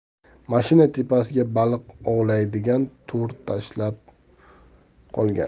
mashina tepasiga baliq ovlaydigan to'r tashlab olgan